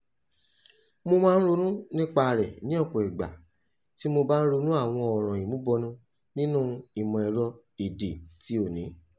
Mo máa ń ronú nípa rẹ̀ ní ọ̀pọ̀ ìgbà tí mo bá ń ronú àwọn ọ̀ràn ìmúbọnú nínú ìmọ̀-ẹ̀rọ èdè ti òní.